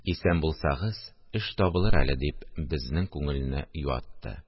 Исән булсагыз, эш табылыр әле, – дип, безнең күңелне юатты